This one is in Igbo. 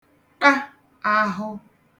ta àhụ